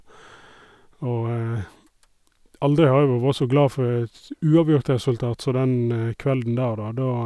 Og aldri har jeg vel vore så glad for et uavgjort-resultat som den kvelden der, da, da...